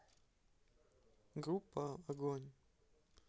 группа огонь